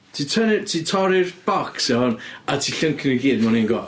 Ti'n tynnu... ti'n torri'r bocs, iawn, a ti'n llyncu nhw gyd mewn un go.